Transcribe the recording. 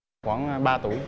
khoảng ba tuổi